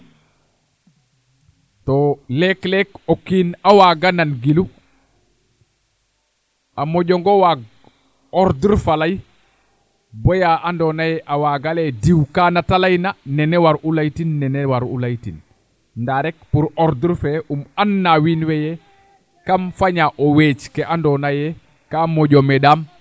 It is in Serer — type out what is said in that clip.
to leek leek o kiin a waaga na gilu a moƴo ngo waag ordre faley baya nado naye diw kaate leyna nene wa'u ley tin nene war u leytin ndaa rek ordre fee um an naa wiin we yee kam faña weec kee ando naye kaa moƴo mendam